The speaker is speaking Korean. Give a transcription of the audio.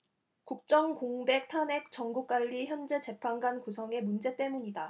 국정 공백 탄핵 정국 관리 헌재 재판관 구성의 문제 때문이다